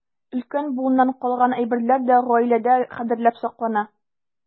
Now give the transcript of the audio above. Өлкән буыннан калган әйберләр дә гаиләдә кадерләп саклана.